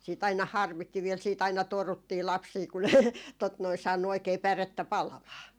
sitten aina harmitti vielä sitten aina toruttiin lapsia kun ne tuota noin saanut oikein pärettä palamaan